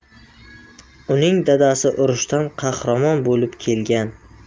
uning dadasi urushdan qahramon bo'lib kelgan